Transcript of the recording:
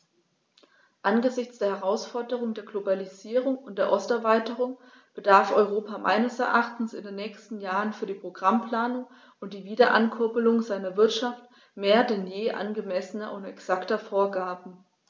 Angesichts der Herausforderung der Globalisierung und der Osterweiterung bedarf Europa meines Erachtens in den nächsten Jahren für die Programmplanung und die Wiederankurbelung seiner Wirtschaft mehr denn je angemessener und exakter Vorgaben.